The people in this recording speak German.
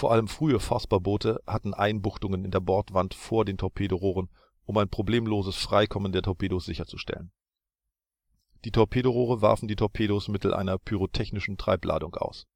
allem frühe Vosper-Boote hatten Einbuchtungen in der Bordwand vor den Torpedorohren, um ein problemloses freikommen der Torpedos sicherzustellen. Die Torpedorohre warfen die Torpedos mittels einer pyrotechnischen Treibladung aus